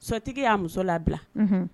Sotigi y'a muso labila